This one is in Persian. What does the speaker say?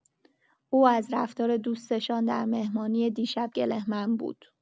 او از رفتار دوستانش در مهمانی دیشب گله‌مند بود.